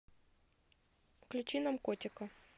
включи нам котика